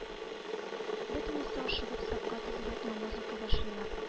Бөтенесе ашыгып сафка тезелеп намаз укый башлыйлар